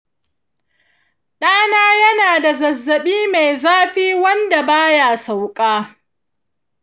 ɗana yana da zazzabi mai zafi wanda baya sauka